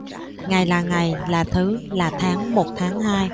ngày là ngày là thứ là tháng một tháng hai